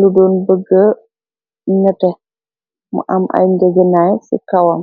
luduon bëggë ñete mu am ay njeginaay ci kawam